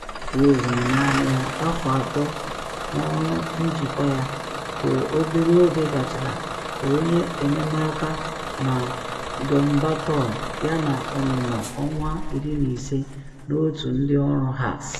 Ross nọ naanị afọ atọ n’ọrụ njikwa ya, ka obere oge gachara ka onye enyemaka na Dumbarton yana ọnụnọ ọnwa 15 n’otu ndị ọrụ Hearts.